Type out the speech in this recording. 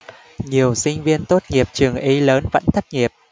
nhiều sinh viên tốt nghiệp trường y lớn vẫn thất nghiệp